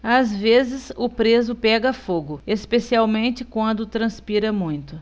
às vezes o preso pega fogo especialmente quando transpira muito